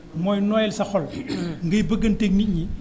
mooy nooyal sa xol ngay bëgganteeg nit ñi